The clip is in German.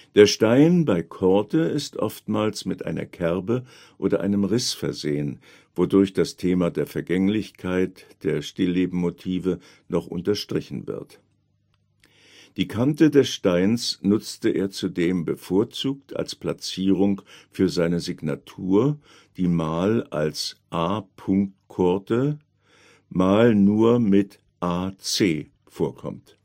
Der Stein bei Coorte ist oftmals mit einer Kerbe oder einem Riss versehen, wodurch das Thema Vergänglichkeit der Stilllebenmotive noch unterstrichen wird. Die Kante des Steins nutzte er zudem bevorzugt als Platzierung für seine Signatur, die mal als A. Coorte, mal nur mit AC vorkommt